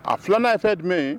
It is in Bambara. A filanan ye fɛn jumɛn ye